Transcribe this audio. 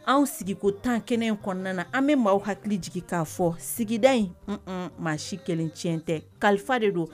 Anw sigiko tan kɛnɛ kɔnɔna na an bɛ maaw hakili jigin k'a fɔ sigida in maa si kelen tiɲɛ tɛ kalifa de don